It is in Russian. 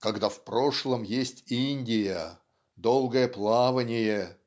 "Когда в прошлом есть Индия долгое плавание